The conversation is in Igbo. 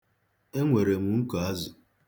Enwere m nko azụ.